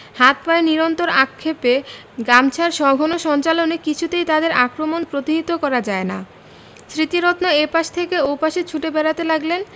হাত পায়ের নিরন্তর আক্ষেপে গামছার সঘন সঞ্চালনে কিছুতেই তাদের আক্রমণ প্রতিহত করা যায় না স্মৃতিরত্ন এ পাশ থেকে ও পাশে ছুটে বেড়াতে লাগলেন